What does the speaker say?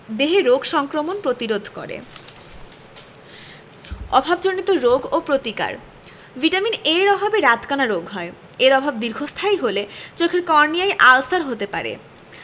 দেহে রোগ সংক্রমণ প্রতিরোধ করে অভাবজনিত রোগ ও প্রতিকার ভিটামিন A এর অভাবে রাতকানা রোগ হয় এর অভাব দীর্ঘস্থায়ী হলে চোখের কর্নিয়ায় আলসার হতে পারে